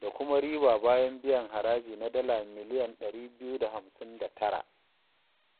da kuma riba bayan biyan haraji na dala miliyan 259.